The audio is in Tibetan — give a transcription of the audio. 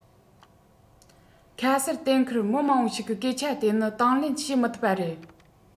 ཁ གསལ གཏན འཁེལ མི མང པོ ཞིག གིས སྐད ཆ དེ ནི དང ལེན བྱེད མི ཐུབ པ རེད